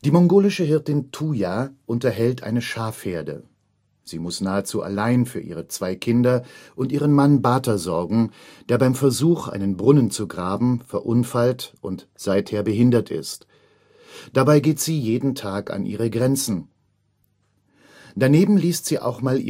mongolische Hirtin Tuya unterhält eine Schafherde. Sie muss nahezu allein für ihre zwei Kinder und ihren Mann Bater sorgen, der beim Versuch, einen Brunnen zu graben, verunfallt und seither behindert ist. Dabei geht sie jeden Tag an ihre Grenzen. Daneben liest sie auch mal